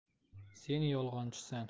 sen yolg'onchisan